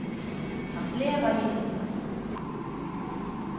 hann slevaði illa